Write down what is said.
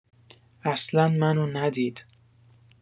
اصلا منو ندید